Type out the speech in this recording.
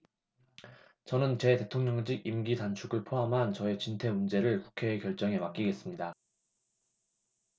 저는 제 대통령직 임기 단축을 포함한 저의 진퇴 문제를 국회의 결정에 맡기겠습니다